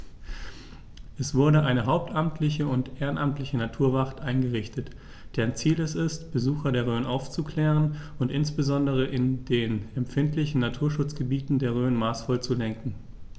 Es wurde eine hauptamtliche und ehrenamtliche Naturwacht eingerichtet, deren Ziel es ist, Besucher der Rhön aufzuklären und insbesondere in den empfindlichen Naturschutzgebieten der Rhön maßvoll zu lenken.